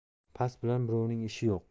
past bilan birovning ishi yo'q